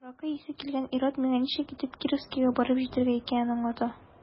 Аракы исе килгән ир-ат миңа ничек итеп Кировскига барып җитәргә икәнен аңлата.